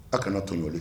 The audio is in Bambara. A kana tɔnjɔ